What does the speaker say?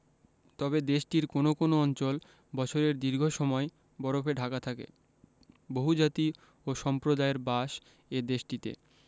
তবে দেশটির কোনো কোনো অঞ্চল বছরের দীর্ঘ সময় বরফে ঢাকা থাকে বহুজাতি ও সম্প্রদায়ের বাস এ দেশটিতে